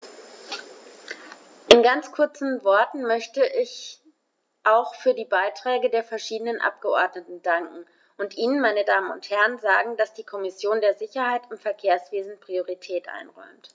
In ganz kurzen Worten möchte ich auch für die Beiträge der verschiedenen Abgeordneten danken und Ihnen, meine Damen und Herren, sagen, dass die Kommission der Sicherheit im Verkehrswesen Priorität einräumt.